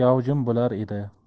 gavjum bo'lar edi